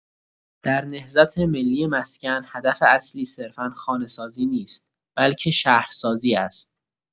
در نهضت ملی مسکن هدف اصلی صرفا خانه‌سازی نیست بلکه شهرسازی است.